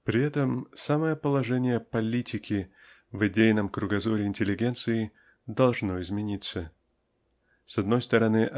При этом самое положение "политики" в идейном кругозоре интеллигенции должно измениться. С одной стороны